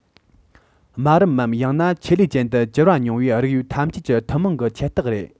དམའ རིམ མམ ཡང ན ཆེད ལས ཅན དུ གྱུར པ ཉུང བའི རིགས དབྱིབས ཐམས ཅད ཀྱི ཐུན མོང གི ཁྱད རྟགས རེད